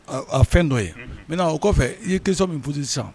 A a fɛn dɔ ye. Unhun! Maintenant o kɔfɛ, i ye question min posée sisan